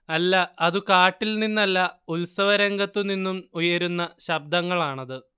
അല്ല അതു കാട്ടിൽ നിന്നല്ല ഉൽസവരംഗത്തുനിന്നും ഉയരുന്ന ശബ്ദങ്ങളാണത്